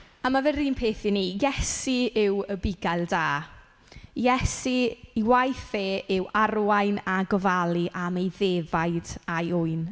Ac ma' fe'r un peth i ni. Iesu yw y bugail da Iesu, ei waith e yw arwain a gofalu am ei ddefaid a'i ŵyn.